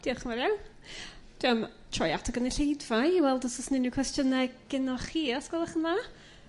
Dio'ch yn fawr iawn. dwi am troi at y gynulleidfa i weld os o's 'na unryw cwestiynau gynnoch chi os gwelwch yn dda?